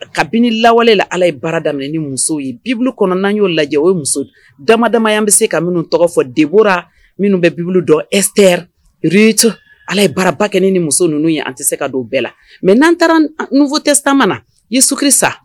Kabini lawalela ala ye bara daminɛ ni muso ye bibililu kɔnɔ'an y'o lajɛ o ye muso dama damamaya bɛ se ka minnu tɔgɔ fɔ de bɔrara minnu bɛ blu dɔn e fɛto ala ye bara bakɛ ni muso ninnu ye an tɛ se ka don bɛɛ la mɛ n'an taara tɛ taama na i suki sa